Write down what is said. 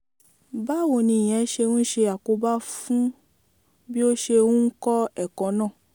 Báwo ni ìyẹn ṣe ń ṣe àkóbá fún bí o ṣe ń kọ́ ẹ̀kọ́ náà?